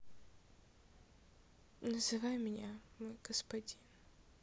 называй меня мой господин